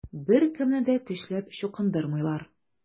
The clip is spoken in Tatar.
Беркемне дә көчләп чукындырмыйлар.